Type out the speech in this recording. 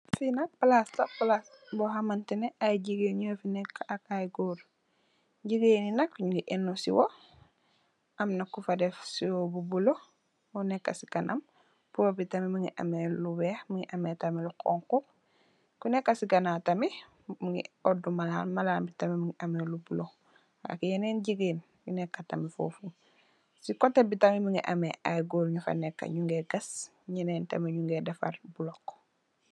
Fi nak palac la palasi bi nga xamtexne ay jigeen nyu fi neka ak ay góor jigeen bi nak mongi enu siwo amna ko fa def siwo bu bulu mo neka si kanam pur bi tam mongi ame lu weex mongi ame tamit lu xoxu ku neka si ganaw tamit mongi odu malan malan bi tamit mongi am lu bulu ak yenen jigeen yu neka tamit fofu si kote bi tamit mongi ay goor yu fa neka nyu ge gass nyu ge defar block.